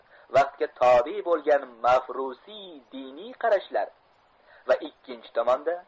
vaqtga tobe bo'lmagan mavrusiy diniy qarashlar va ikkinchi tomonda